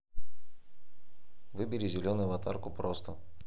выбери зеленую аватарку просто